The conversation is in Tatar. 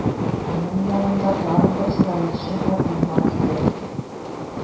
Аның янында тагын бер саилче хатын бар иде